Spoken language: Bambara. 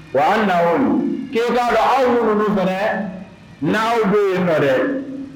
k'i ka dɔn aw minnu fana n'aw bɛ yen nɔ dɛ